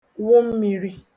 wụ mmīrī